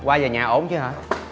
qua về nhà ổn chứ hả